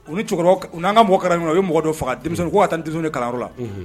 U ye cɛkɔrɔba U n'an ka mɔgɔ karila ɲɔgɔn na u ye mɔgɔ don faga denmisɛn, ko ka taa denmisɛn kalan la, unhun